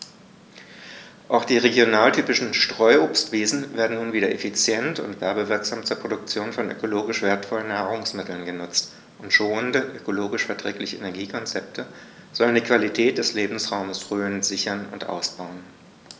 Auch die regionaltypischen Streuobstwiesen werden nun wieder effizient und werbewirksam zur Produktion von ökologisch wertvollen Nahrungsmitteln genutzt, und schonende, ökologisch verträgliche Energiekonzepte sollen die Qualität des Lebensraumes Rhön sichern und ausbauen.